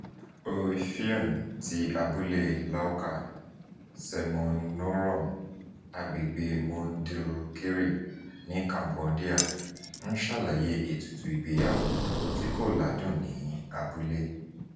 Hea Phoeun ti abúlé Laoka, Senmonorom, agbègbè Mondulkiri ní Cambodia ń ṣàlàyé ètùtù ìgbéyàwó tí kò ládùn ní abúlé.